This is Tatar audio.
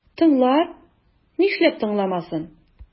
Тыңлар, нишләп тыңламасын?